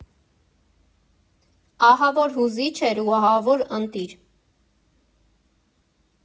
Ահավոր հուզիչ էր ու ահավոր ընտիր։